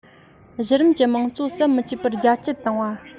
གཞི རིམ གྱི དམངས གཙོ ཟམ མི འཆད པར རྒྱ སྐྱེད བཏང བ